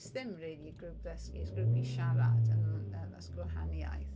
It's ddim really a grŵp dysgu it's grŵp i siarad and that's gwahaniaeth.